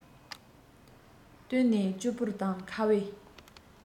བསྟུན ནས སྐྱུར པོ དང ཁ བའི